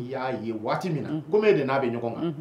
I y'a ye waati min na komi e de n'a bɛ ɲɔgɔn kan